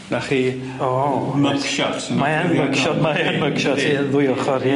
'Na chi... O. ...mugshot. Mae yn fugshot. Mae yn mugshot ie. Y ddwy ochor ie?